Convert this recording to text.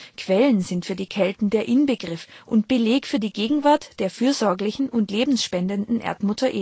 Quellen sind für die Kelten der Inbegriff und Beleg für die Gegenwart der fürsorglichen und lebensspendenden Erdmutter